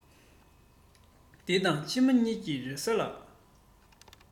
འདི དང ཕྱི མ གཉིས ཀྱི རེ ས ལ